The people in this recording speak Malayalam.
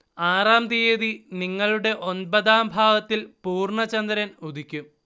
ആറാം തീയതി നിങ്ങളുടെ ഒൻപതാം ഭാവത്തിൽ പൂർണ്ണ ചന്ദ്രൻ ഉദിക്കും